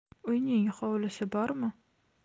uyning xovlisi bormi